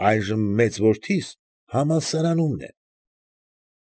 Այժմ մեծ որդիս համալսարանում է։